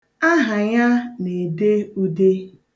Aha ya na-ede ude.